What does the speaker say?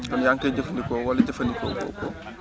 kon yaa ngi koy jëfandikoo wala jëfandikoo goo ko